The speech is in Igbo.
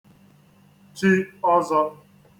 chi ọzọ̄